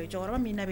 O jɔyɔrɔ min